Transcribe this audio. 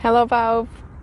Helo bawb.